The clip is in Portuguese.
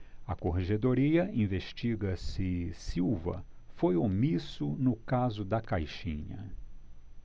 a corregedoria investiga se silva foi omisso no caso da caixinha